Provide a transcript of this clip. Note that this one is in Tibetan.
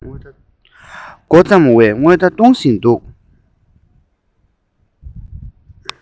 མགོ རྩོམ བའི སྔོན བརྡ གཏོང བཞིན འདུག